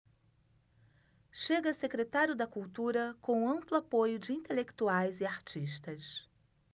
chega a secretário da cultura com amplo apoio de intelectuais e artistas